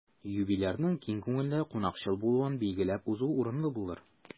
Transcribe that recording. Юбилярның киң күңелле, кунакчыл булуын билгеләп узу урынлы булыр.